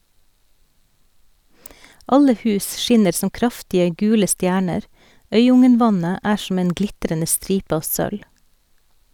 Alle hus skinner som kraftige, gule stjerner, Øyungen-vannet er som en glitrende stripe av sølv.